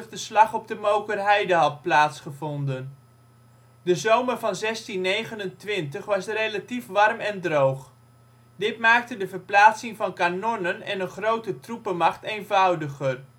de Slag op de Mookerheide had plaatsgevonden. De zomer van 1629 was relatief warm en droog. Dit maakte de verplaatsing van kanonnen en een grote troepenmacht eenvoudiger